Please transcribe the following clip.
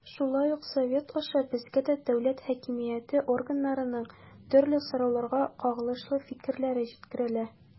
Шулай ук Совет аша безгә дә дәүләт хакимияте органнарының төрле сорауларга кагылышлы фикерләре җиткерелә.